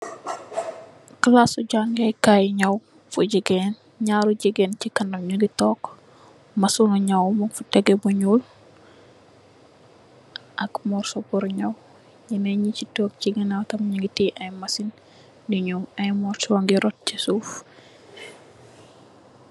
Classi jangeh kai nyaw bu gigain nyarri gigain sey kanam nyungi tog machine ni nyaw mungfa tekeh bu nyuul ak moso pul nyaw nyenen nyusi tog sey ganaw tam nyungi tiyeh I machine d nyaw I moso ngi rot sey suuf.